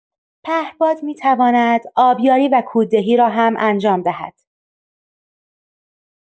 پهپاد می‌تواند آبیاری و کوددهی را هم انجام دهد.